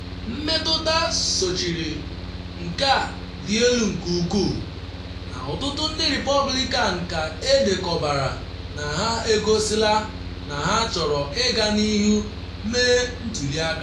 Mmetụta sochiri nke a dị elu nke ukwuu, na ọtụtụ ndị Repọblikan ka edekọbara na ha egosila na ha chọrọ ịga n’ihu mee ntuli aka.